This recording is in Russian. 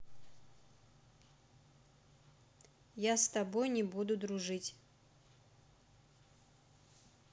я с тобой не буду дружить